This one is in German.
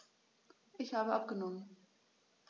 Ich habe abgenommen.